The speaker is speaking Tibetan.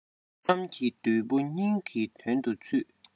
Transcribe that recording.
གཏམ གྱི བདུད པོ སྙིང གི དོན དུ ཚུད